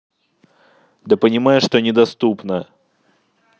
да понимаешь что недоступно